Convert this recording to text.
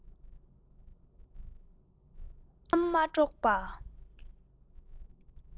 རྨི ལམ མ དཀྲོགས པ